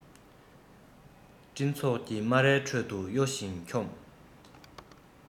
སྤྲིན ཚོགས ཀྱི སྨ རའི ཁྲོད དུ གཡོ ཞིང འཁྱོམ